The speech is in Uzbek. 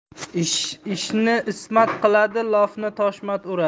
ishni ismat qiladi lofni toshmat uradi